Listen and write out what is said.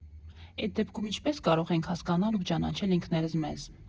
Էդ դեպքում ինչպե՞ս կարող ենք հասկանալ ու ճանաչել ինքներս մեզ։